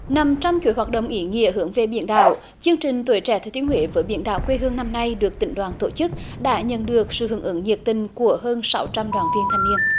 nằm trong chuỗi hoạt động ý nghĩa hướng về biển đảo chương trình tuổi trẻ thừa thiên huế với biển đảo quê hương năm nay được tỉnh đoàn tổ chức đã nhận được sự hưởng ứng nhiệt tình của hơn sáu trăm đoàn viên thanh niên